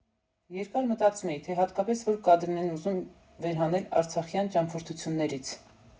Երկար մտածում էի, թե հատկապես որ կադրն եմ ուզում վեր հանել արցախյան ճամփորդություններից։